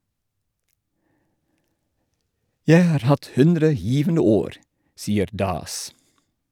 - Jeg har hatt 100 givende år, sier Das.